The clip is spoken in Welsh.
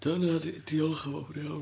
Dyna 'di... diolch yn fawr iawn.